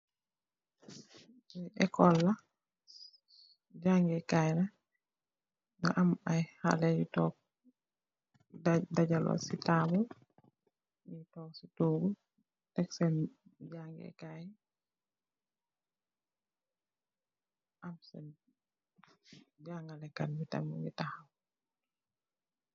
Li ecole la jangeh kai la nga am ay xale yu tog dagalu si tabul tog si togu teck sen jangeh cai am sen jangale kat bi tam mogi taxaw.